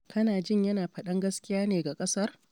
“Kana jin yana faɗan gaskiya ne ga ƙasar?